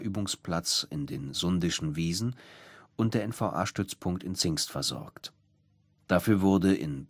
NVA-Übungsplatz in den Sundischen Wiesen und der NVA-Stützpunkt in Zingst versorgt. Der